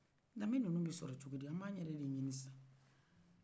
dambe nunu bɛ sɔrɔ cogo di an b'an yɛrɛ de ɲini sisan